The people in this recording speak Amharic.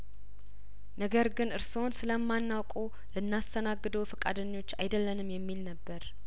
ነገር ግን እርስዎን ስለማናውቅዎ ልናስተናግድዎ ፈቃደኞች አይደለንም የሚል ነበር